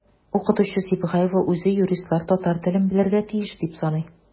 Укытучы Сибгаева үзе юристлар татар телен белергә тиеш дип саный.